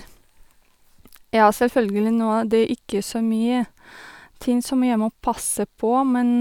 Ja, selvfølgelig, nå er det ikke så mye ting som jeg må passe på, men...